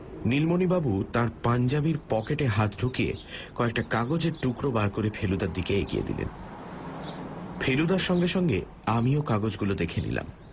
নীলমণিবাবু তাঁর পাঞ্জাবির পকেটে হাত ঢুকিয়ে কয়েকটা কাগজের টুকরো বার করে ফেলুদার দিকে এগিয়ে দিলেন ফেলুদার সঙ্গে সঙ্গে আমিও কাগজগুলো দেখে নিলাম